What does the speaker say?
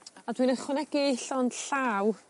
A dwi'n ychwanegu llond llaw